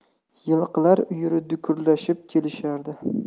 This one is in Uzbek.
yilqilar uyuri dukurlashib kelishardi